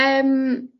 yym